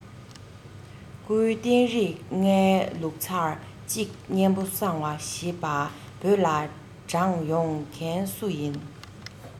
སྐུའི རྟེན རིགས ལྔའི ལུགས ཚར གཅིག གཉན པོ གསང བ ཞེས པ བོད ལ དྲངས ཡོང མཁན སུ ཡིན